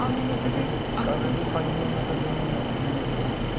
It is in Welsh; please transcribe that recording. O'n i'n mynd i ddeud o'n i myn'... <aneglur? poeni am y llythyr yna .